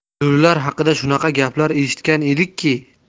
lo'lilar haqida shunaqa gaplar eshitgan edikki